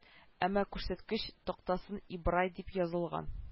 Әмма күрсәткеч тактасын ибрай дип язылган